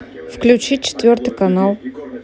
включить четвертый канал